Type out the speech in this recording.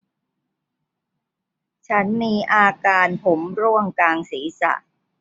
ฉันมีอาการผมร่วงกลางศีรษะ